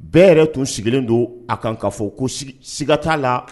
Bɛɛ yɛrɛ tun sigilen don a kan ka fɔ ko si siga t'a la